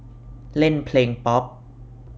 เล่นเพลงป๊อป